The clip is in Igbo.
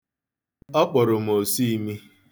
Ọ kpọrọ m osuimi.